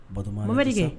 Bato mamamerike